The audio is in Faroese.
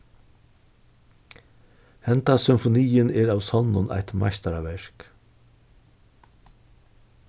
henda symfoniin er av sonnum eitt meistaraverk